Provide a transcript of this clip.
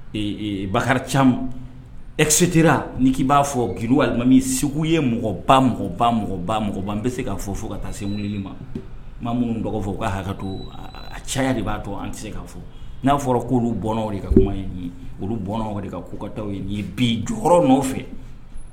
Bakari caman e tɛra ni k'i b'a fɔ g alimami segu ye mɔgɔ ba mɔgɔ ba mɔgɔ ba mɔgɔba an bɛ se k'a fɔ fo ka taa se wulili ma minnu tɔgɔ fɔ k kaa hakɛ to caya de b'a to an tɛ se k kaa fɔ n'a fɔra ko oluolu bɔn de ka kuma ye olu bɔn de ka kukataw bi jɔyɔrɔkɔrɔ fɛ